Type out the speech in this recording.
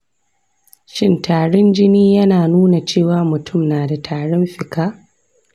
shin tarin jini yana nuna cewa mutum na da tarin fika